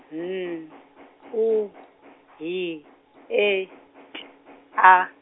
N U H E T A.